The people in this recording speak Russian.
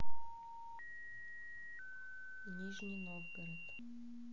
нижний новгород